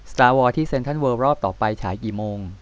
สตาร์วอร์ที่เซ็นทรัลเวิลด์รอบต่อไปฉายกี่โมง